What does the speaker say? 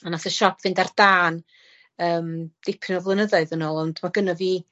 A nath y siop fynd ar dân yym dipyn o flynyddoedd yn ôl ond ma' gynno fi